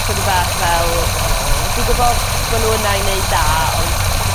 chydig bach fel o dwi gwbo bo' n'w yna i neud da ont